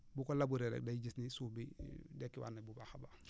bu ko labourer day gis ni suuf bi dekkiwaat na bu baax a baax